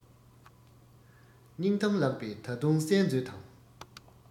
སྙིང གཏམ ལགས པས ད དུང གསན མཛོད དང